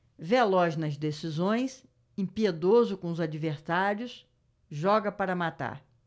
veloz nas decisões impiedoso com os adversários joga para matar